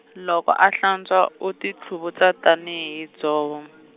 loko a hlantswa o ti tlhuvutsa tani hi dzovo.